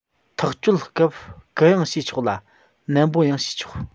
ཐག གཅོད སྐབས གུ ཡངས བྱས ཆོག ལ ནན པོ ཡང བྱས ཆོག